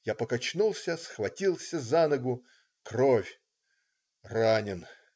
- я покачнулся, схватился за ногу. Кровь. Ранен.